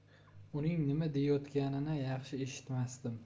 uning nima deyayotganini yaxshi eshitmasdim